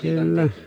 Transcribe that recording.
kyllä